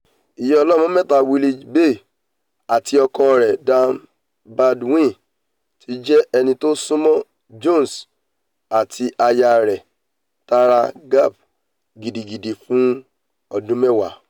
Ìyá-ọlómọ-mẹ́ta Willoughby àti ọkọ rẹ̀ Dan Baldwin ti jẹ́ ẹniti ó súnmọ́ Jones àti aya rẹ̀ Tara Capp gidigidi fún ọdún mẹ́wàá.